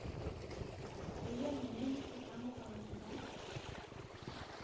Быел менә Нефтекама каласында